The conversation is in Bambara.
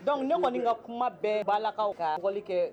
Donc ne kɔnni ka kuma bɛɛ balakaw ka lakoli kɛ